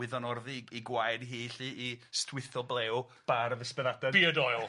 Wyddan orddu 'i 'i gwaed hi 'lly i stwytho blew barf Ysbaddadan. Beard oil!